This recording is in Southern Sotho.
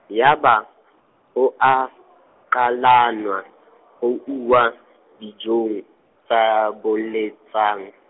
yaba, ho a , qhalanwa, ho uwa, dijong, tse boletsweng.